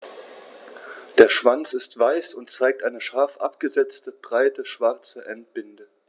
Der Schwanz ist weiß und zeigt eine scharf abgesetzte, breite schwarze Endbinde.